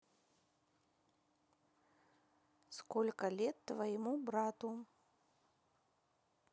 сколько лет твоему брату